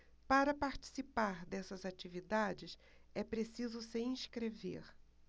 para participar dessas atividades é preciso se inscrever